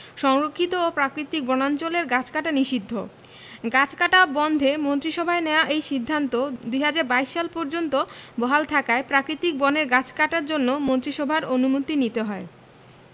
সংরক্ষিত ও প্রাকৃতিক বনাঞ্চলের গাছ কাটা নিষিদ্ধ গাছ কাটা বন্ধে মন্ত্রিসভায় নেয়া এই সিদ্ধান্ত ২০২২ সাল পর্যন্ত বহাল থাকায় প্রাকিতিক বনের গাছ কাটার জন্য মন্ত্রিসভার অনুমতি নিতে হয়